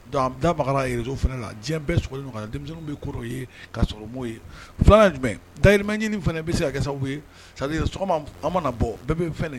Don dabagareso fana la diɲɛ bɛɛ ɲɔgɔn denmisɛnnin bɛ kɔrɔ ye ka sɔrɔ'o ye filanan jumɛn dayimɛ ɲini fana bɛ se ka kɛ sababu ye sa sɔgɔma mana bɔ bɛɛ bɛ fɛn de